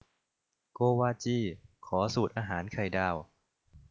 โกวาจีขอสูตรอาหารไข่ดาว